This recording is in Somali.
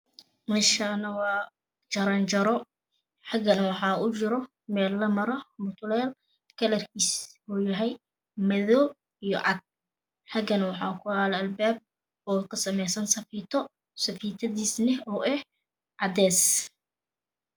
Meshana wajaranjaro xawaxaujira Mel lamaro mutalel kalarkisauyahay madow iyo cad xaganawaxakuyalo ilbab kasameysan safito safitidisana oeh cades